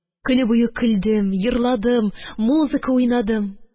Көн буе көлдем, йырладым, музыка уйнадым.